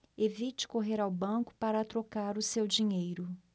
evite correr ao banco para trocar o seu dinheiro